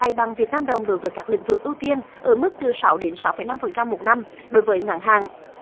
vay bằng việt nam đồng đối với các lĩnh vực ưu tiên ở mức từ sáu đến sáu phẩy năm phần trăm một năm đối với ngắn hạn